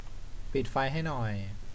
ปิดไฟให้หน่อย